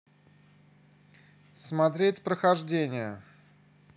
смотреть прохождение